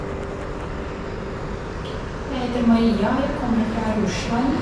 Jeg heter Maria, jeg kommer fra Russland.